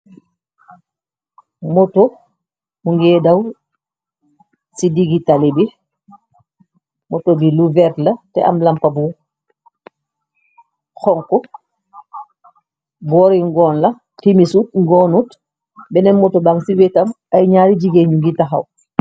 Moto mu ngée daw ci digitali bi. Moto bi lu vertla te am lampa bu konk, boringoon la timisu ngonut benneen moto baŋ ci vétam ay ñaari jigéeñu ngi taxaw.